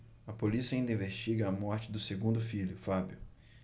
a polícia ainda investiga a morte do segundo filho fábio